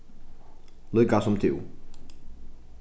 líka sum tú